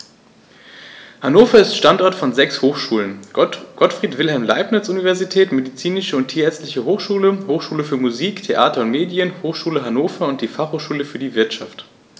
Hannover ist Standort von sechs Hochschulen: Gottfried Wilhelm Leibniz Universität, Medizinische und Tierärztliche Hochschule, Hochschule für Musik, Theater und Medien, Hochschule Hannover und die Fachhochschule für die Wirtschaft.